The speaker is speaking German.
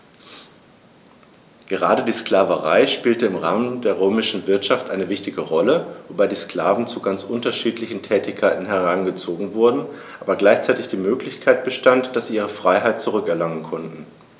Gerade die Sklaverei spielte im Rahmen der römischen Wirtschaft eine wichtige Rolle, wobei die Sklaven zu ganz unterschiedlichen Tätigkeiten herangezogen wurden, aber gleichzeitig die Möglichkeit bestand, dass sie ihre Freiheit zurück erlangen konnten.